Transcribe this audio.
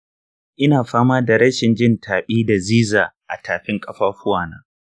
ina fama da rashin jin taɓi da ziza a tafin ƙafafuwana.